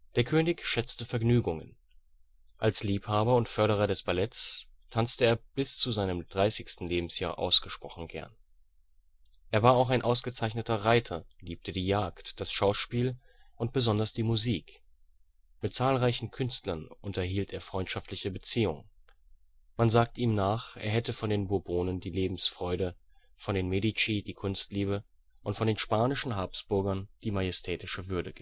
König schätzte Vergnügungen. Als Liebhaber und Förderer des Balletts tanzte er bis zu seinem 30. Lebensjahr ausgesprochen gern. Er war auch ein ausgezeichneter Reiter, liebte die Jagd, das Schauspiel und besonders die Musik. Mit zahlreichen Künstlern unterhielt er freundschaftliche Beziehungen. Man sagt ihm nach, er hätte von den Bourbonen die Lebensfreude, von den Medici die Kunstliebe und von den spanischen Habsburgern die majestätische Würde